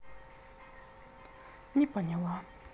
не поняла